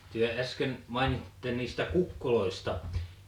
te äsken mainitsitte niistä kukoista